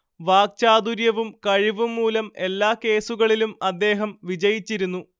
വാക്ചാതുര്യവും കഴിവും മൂലം എല്ലാ കേസുകളിലും അദ്ദേഹം വിജയിച്ചിരുന്നു